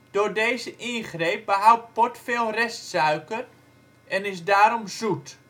Door deze ingreep behoudt port veel restsuiker en is daarom zoet